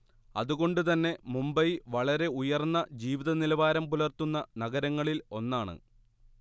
അതുകൊണ്ടു തന്നെ മുംബൈ വളരെ ഉയർന്ന ജീവിത നിലവാരം പുലർത്തുന്ന നഗരങ്ങളിൽ ഒന്നാണ്